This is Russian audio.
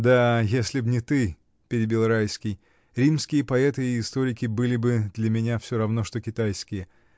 — Да, если б не ты, — перебил Райский, — римские поэты и историки были бы для меня всё равно, что китайские.